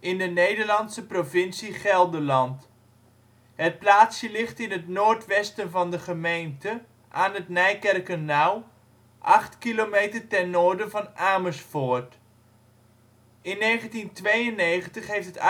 in de Nederlandse provincie Gelderland. Het plaatsje ligt in het noordwesten van de gemeente aan het Nijkerkernauw, acht kilometer ten noorden van Amersfoort. In 1992 heeft het archeologische